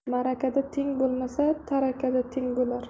ma'arakada teng bo'lmasa tarakada teng bo'lar